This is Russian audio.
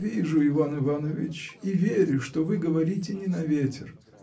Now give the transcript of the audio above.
— Вижу, Иван Иванович, и верю, что вы говорите не на ветер.